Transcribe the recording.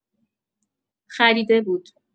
خریده بود